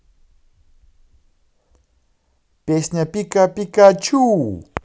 песня пика пика пикачу